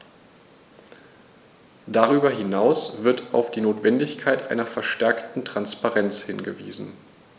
Darüber hinaus wird auf die Notwendigkeit einer verstärkten Transparenz hingewiesen.